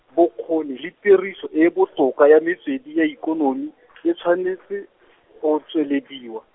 bokgoni le tiriso e e botoka ya metswedi ya ikonomi, e tshwanetse, go tswelediwa.